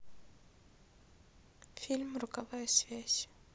фильм роковая связь